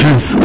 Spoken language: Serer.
axa